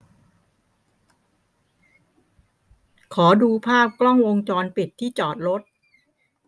ขอดูภาพกล้องวงจรปิดที่จอดรถ